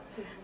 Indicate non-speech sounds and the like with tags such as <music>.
<hesitation> <hesitation>